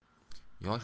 yosh bo'lsa ham